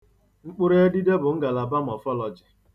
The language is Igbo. Mkpụrụedide bụ ngalaba mọfọlọjị.